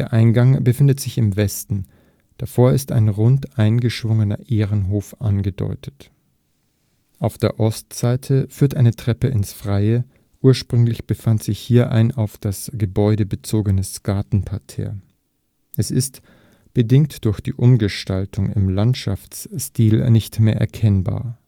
Eingang befindet sich im Westen, davor ist ein rund eingeschwungener Ehrenhof angedeutet. Auf der Ostseite führt eine Treppe ins Freie, ursprünglich befand sich hier ein auf das Gebäude bezogenes Gartenparterre. Es ist, bedingt durch die Umgestaltung im Landschaftsstil, nicht mehr erkennbar